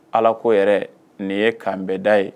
Ala k'o yɛrɛ nin ye kan bɛɛda ye